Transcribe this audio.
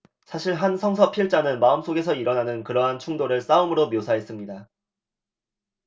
사실 한 성서 필자는 마음속에서 일어나는 그러한 충돌을 싸움으로 묘사했습니다